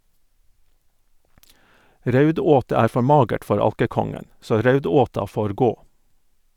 Raudåte er for magert for alkekongen, så raudåta får gå.